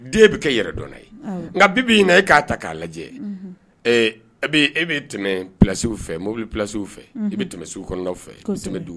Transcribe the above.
Den bɛ kɛ yɛrɛdɔnna ye. Awɔ. nka bi bi in na e k'a ta ka lajɛ. Unhun. Ɛɛ e bɛ e bɛ tɛmɛ place fɛ, mobili place fɛ,. Unhun. E bɛ tɛmɛ sugu kɔnɔnaw fɛ. Kosɛbɛ.